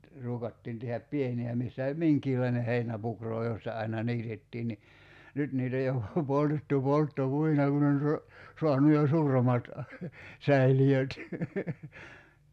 ruukattiin tehdä pieniä missä oli minkäkinlainen heinäpukro josta aina niitettiin niin nyt niitä on jo poltettu polttopuina kun on - saanut jo suuremmat säiliöt